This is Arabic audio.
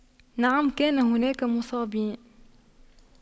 نعم كان هناك مصابين